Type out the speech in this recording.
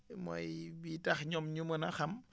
mooy biy tax ñoom ñu mën a xam